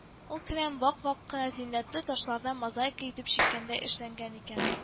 Ул келәм вак-вак кына зиннәтле ташлардан мозаика итеп чиккәндәй эшләнгән икән